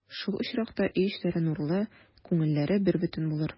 Шул очракта өй эчләре нурлы, күңелләре бербөтен булыр.